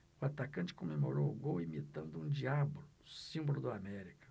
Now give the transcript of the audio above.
o atacante comemorou o gol imitando um diabo símbolo do américa